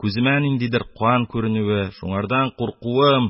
Күземә ниндидер кан күренүе, шуңардан куркуым